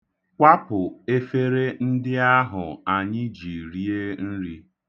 Kwapụ efere ndị ahụ anyị ji rie nri.